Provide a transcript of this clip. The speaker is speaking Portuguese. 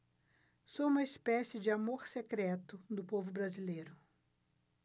sou uma espécie de amor secreto do povo brasileiro